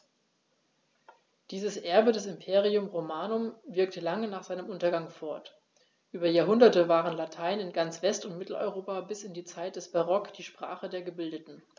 Dieses Erbe des Imperium Romanum wirkte lange nach seinem Untergang fort: Über Jahrhunderte war Latein in ganz West- und Mitteleuropa bis in die Zeit des Barock die Sprache der Gebildeten.